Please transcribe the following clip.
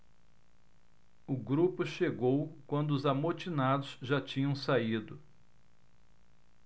o grupo chegou quando os amotinados já tinham saído